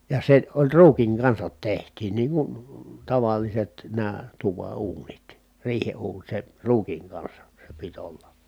ja se oli ruukin kanssa tehtiin niin kuin tavalliset nämä tuvan uunit riihen uuni se ruukin kanssa se piti olla